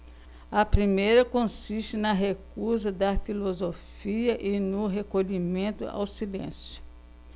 a primeira consiste na recusa da filosofia e no recolhimento ao silêncio